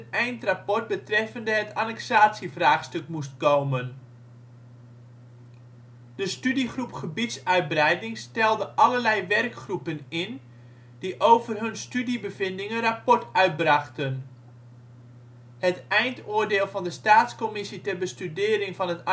eindrapport betreffende het annexatievraagstuk moest komen. De Studiegroep Gebiedsuitbreiding stelde allerlei werkgroepen in die over hun studiebevindingen rapport uitbrachten. Het eindoordeel van de Staatscommissie ter Bestudering van het